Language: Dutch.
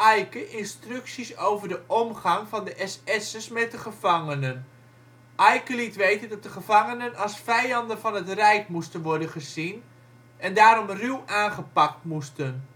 Eicke instructies over de omgang van de SS'ers met de gevangenen. Eicke liet weten dat de gevangenen als vijanden van het Rijk moesten worden gezien en daarom ruw aangepakt moesten